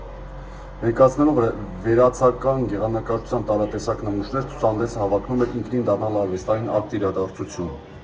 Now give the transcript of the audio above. Ներկայացնելով վերացական գեղանկարչության տարատեսակ նմուշներ, ցուցահանդեսը հավակնում էր ինքնին դառնալ արվեստային ակտ֊իրադարձություն։